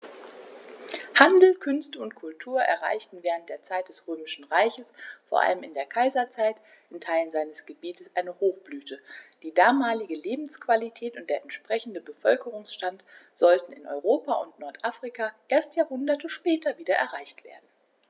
Handel, Künste und Kultur erreichten während der Zeit des Römischen Reiches, vor allem in der Kaiserzeit, in Teilen seines Gebietes eine Hochblüte, die damalige Lebensqualität und der entsprechende Bevölkerungsstand sollten in Europa und Nordafrika erst Jahrhunderte später wieder erreicht werden.